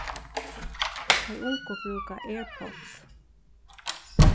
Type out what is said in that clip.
tey ungu brúka airpods